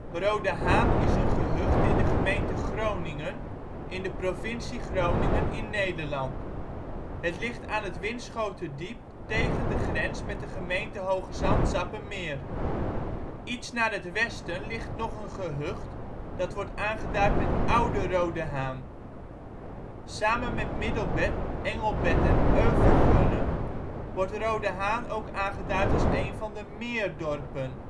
Roodehaan is een gehucht in de gemeente Groningen in de provincie Groningen in Nederland. Het ligt aan het Winschoterdiep tegen de grens met de gemeente Hoogezand-Sappemeer. Iets naar het westen ligt nog een gehucht dat wordt aangeduid met Oude Roodehaan. Samen met Middelbert, Engelbert en Euvelgunne wordt Roodehaan ook aangeduid als een van de MEER-dorpen